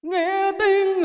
nghe